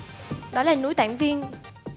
đó là núi tản viên